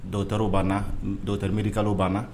Dɔw ta banna dɔw tari mirika banna